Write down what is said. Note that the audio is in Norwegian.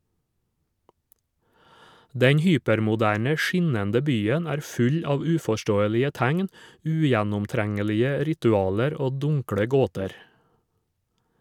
Den hypermoderne, skinnende byen er full av uforståelige tegn, ugjennomtrengelige ritualer og dunkle gåter.